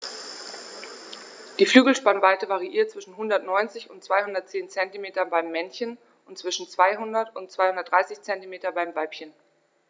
Die Flügelspannweite variiert zwischen 190 und 210 cm beim Männchen und zwischen 200 und 230 cm beim Weibchen.